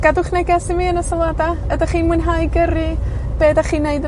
Gadwch neges i mi yn y sylwada. Ydach chi'n mwynhau gyrru? Be' 'dach chi'n neud yn